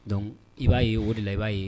Dɔnc i ba ye o de la i ba ye